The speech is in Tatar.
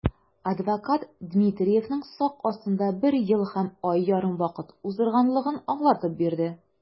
Адвокат Дмитриевның сак астында бер ел һәм ай ярым вакыт уздырганлыгын аңлатып бирде.